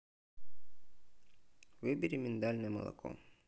выбери миндальное молоко